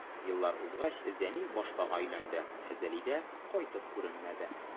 Еллар узгач, Зәниф башкага өйләнде, ә Зәлидә кайтып күренмәде.